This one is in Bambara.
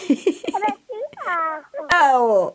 I aw